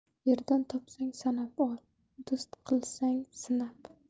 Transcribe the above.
yerdan topsang sanab ol do'st qilsang sinab